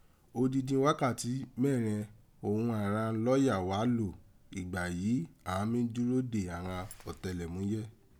Odindin wakati mẹrẹn òghun àghan lọ́yà wa lò igba yìí àn án mí dúró dè àghan ọtẹlẹmuyẹ.